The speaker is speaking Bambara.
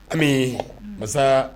Ami masa